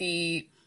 ...'di